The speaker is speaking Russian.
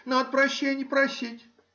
Надо прощенье просить.